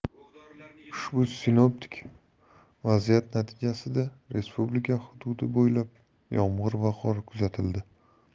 ushbu sinoptik vaziyat natijasida respublika hududi bo'ylab yomg'ir va qor kuzatildi